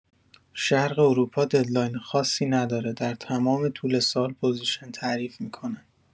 شرق اروپا ددلاین خاصی نداره در تمام طول سال پوزیشن تعریف می‌کنن.